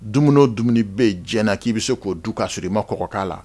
Dumuni dumuni bɛ jɛ k'i bɛ se k'o du k'a sɔrɔ i ma kɔrɔɔgɔkan la